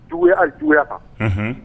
Juguya ali juguya kan unhun